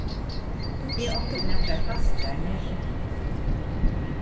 eg átti nakrar fastrar niðri